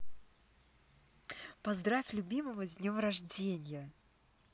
поздравь любимова с днем рождения